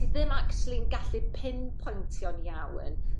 Ti ddim actuali'n gallu pin pointio'n iawyn